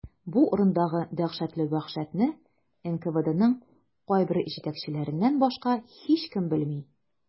Бу урындагы дәһшәтле вәхшәтне НКВДның кайбер җитәкчеләреннән башка һичкем белми.